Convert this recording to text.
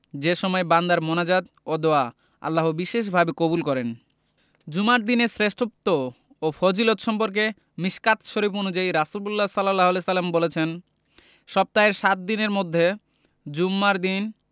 যে সময় বান্দার মোনাজাত ও দোয়া আল্লাহ বিশেষভাবে কবুল করেন জুমার দিনের শ্রেষ্ঠত্ব ও ফজিলত সম্পর্কে মিশকাত শরিফ অনুযায়ী রাসুলুল্লাহ সা বলেছেন সপ্তাহের সাত দিনের মধ্যে জুমার দিন